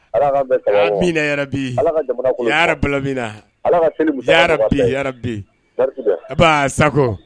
A min yɛrɛ bi' bolo min na bi bi ba sago